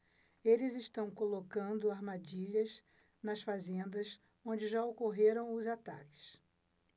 eles estão colocando armadilhas nas fazendas onde já ocorreram os ataques